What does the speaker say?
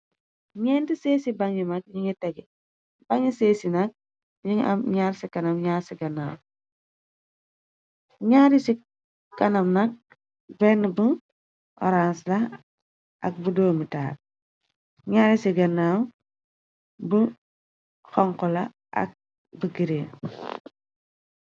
Ñyeenti seesi bang nyu mag nyugi tegeh bañg gi seesi nag ñyugi am nyaar ci kanam nyaar ci ganaw nyaari ci kanam nag benn bu orance la ak bu doomi taal nyaari ci ganaw bu xonkla ak bu green.